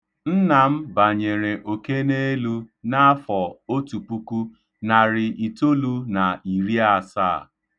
Nna m banyere okeneelu n'afọ 1970.